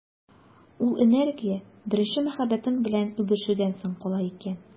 Ул энергия беренче мәхәббәтең белән үбешүдән соң кала икән.